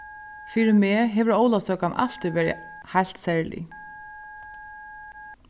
fyri meg hevur ólavsøkan altíð verið heilt serlig